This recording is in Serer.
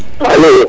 alo